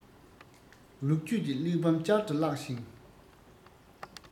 ལོ རྒྱུས ཀྱི གླེགས བམ བསྐྱར དུ བཀླགས ཤིང